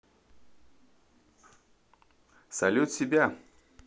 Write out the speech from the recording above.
салют себя